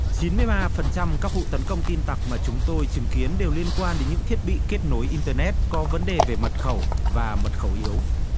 chín mươi ba phần trăm các vụ tấn công tin tặc mà chúng tôi chứng kiến đều liên quan đến những thiết bị kết nối in tơ nét có vấn đề về mật khẩu và mật khẩu yếu